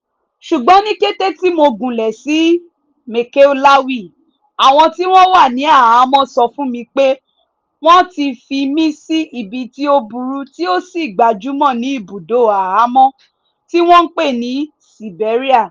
Ṣùgbọ́n ní kété tí mo gúnlẹ̀ sí Maekelawi, àwọn tí wọ́n wà ní àhámọ́ sọ fún mi pé wọ́n ti fi mí sí ibi tí ó burú tí ó sì gbajúmò ní ibùdó àhámọ́, tí wọn ń pè ní "Siberia".